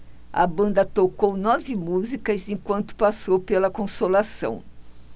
a banda tocou nove músicas enquanto passou pela consolação